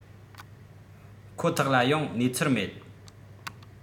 ཁོ ཐག ལ ཡང གནས ཚུལ མེད